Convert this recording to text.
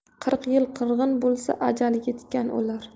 qirq yil qirg'in bo'lsa ajali yetgan o'lar